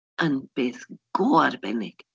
Yn beth go arbennig.